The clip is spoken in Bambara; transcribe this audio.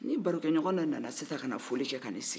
ni barokɛɲɔgɔn dɔ nana sisan kana foli kɛ kana i sigi